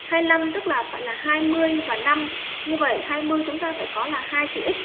tức là phải là và như vậy chúng ta phải có là hai chữ